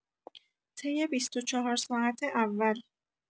طی ۲۴ ساعت اول